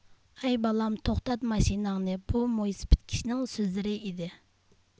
ھەي بالام توختات ماشىناڭنى بۇ مويسىپىت كىشىنىڭ سۆزلىرى ئىدى